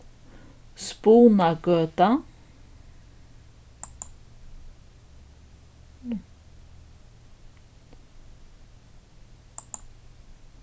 spunagøta